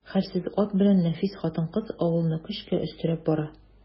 Хәлсез ат белән нәфис хатын-кыз авылны көчкә өстерәп бара.